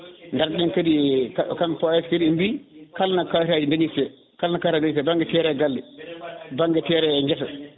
ganden kadi kamɓe PAS kadi ɓe mbi kalano kayitaji dañirte kala no kayitaji dañirte * keede galle baanggue keede guesa